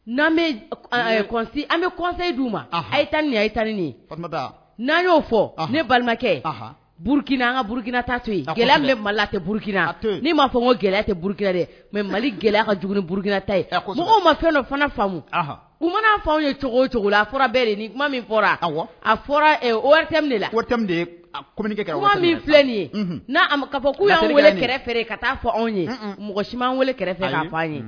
N'an an bɛ kɔse di' ma tan ni a tan ni n'an y'o fɔ ne balimakɛ burukina an ka burukina ta gɛlɛya la tɛ burukina ni m'a fɔ n ko gɛlɛya tɛ burukkɛ mɛ mali gɛlɛya ka j ni burukinata ye ma fɛn dɔ fana famu'a fɔ anw ye cogo cogo la a fɔra bɛɛ de kuma min fɔra a fɔrakɛ min filɛ nin ye n' fɔ kɛrɛfɛ ka taa fɔ anw ye mɔgɔ si an wele kɛrɛfɛ fɛ fɔ an ye